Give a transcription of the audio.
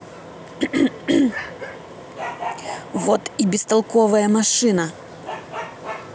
вот и бестолковая машина